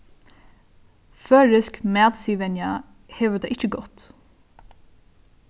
føroysk matsiðvenja hevur tað ikki gott